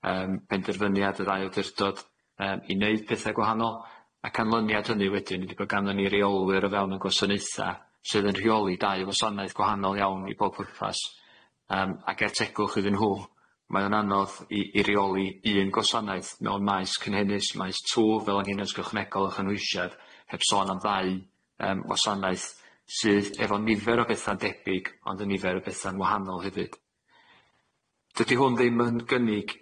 yym penderfyniad y ddau awdurdod yym i neud pethe gwahanol a canlyniad hynny wedyn ydi bo ganddo ni reolwyr o fewn 'yn gwasanaetha sydd yn rheoli dau gwasanaeth gwahanol iawn i pob pwrpas yym ag er tegwch iddyn nhw mae o'n anodd i i reoli un gwasanaeth mewn maes cynhennus maes twg fel anghenion ychwanegol a chynhwysiad heb sôn am ddau yym wasanaeth sydd efo nifer o betha'n debyg ond y nifer o betha'n wahanol hefyd. Dydi hwn ddim yn gynnig